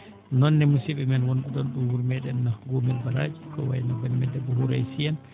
noon ne musidɓe men won ɓe ɗoon ɗo wuro meeɗen Goomel Banaaji ko wayi no banii men debbo Houraye Sy en